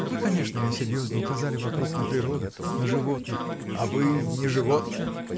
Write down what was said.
— Вы, конечно, несерьезно указали вокруг, на природу, на животных. — А вы — не животное?